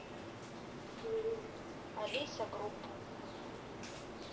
алиса группу